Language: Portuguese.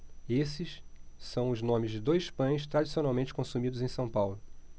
esses são os nomes de dois pães tradicionalmente consumidos em são paulo